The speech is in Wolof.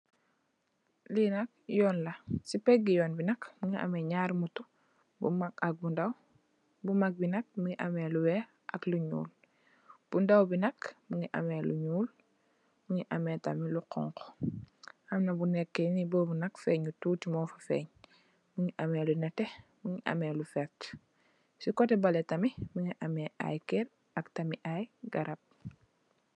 Fii nak, yoon la, si peegë yoon bi nak, mu ngi amee ñaari "motto",bu mag ak bu ñaw. Bu mag, bi nak, mu ngi amee lu weex, ak lu ñuul, bu ndaw tamit mu amee lu xoñxu, am na bu nekee nii, boobu nak, feeñut, tuuti moofa feeñ, mu ngi amee lu nétté, si kotte bali tamit, mu ngi amee, ay ker ak tam, ay garab.